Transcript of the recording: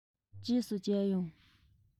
རྗེས སུ མཇལ ཡོང